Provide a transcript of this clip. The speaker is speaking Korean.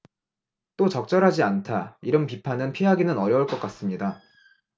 또 적절하지 않다 이런 비판은 피하기는 어려울 것 같습니다